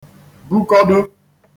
bukọdo